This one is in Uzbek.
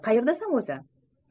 qayerdasan o'zi